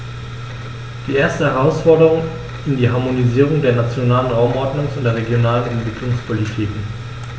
Die erste Herausforderung ist die Harmonisierung der nationalen Raumordnungs- und der regionalen Entwicklungspolitiken.